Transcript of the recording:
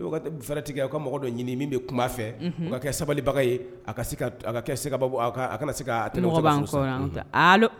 Faratigi u ka mɔgɔ dɔ ɲini min bɛ kuma fɛ ka kɛ sabalibaga ye kɛ se kana se tɛ